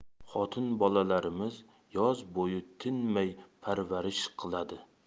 xotin bolalarimiz yoz bo'yi tinmay parvarish qiladi